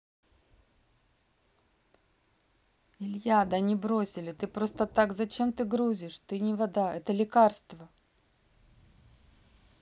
илья да не бросили ты просто так зачем ты грузишь ты не вода это лекарство